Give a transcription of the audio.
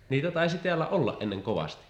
niitä taisi täällä olla ennen kovasti